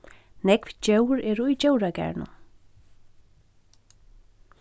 nógv djór eru í djóragarðinum